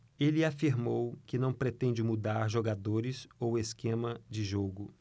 ele afirmou que não pretende mudar jogadores ou esquema de jogo